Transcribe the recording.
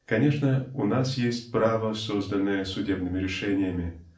Конечно, и у нас есть право, созданное судебными решениями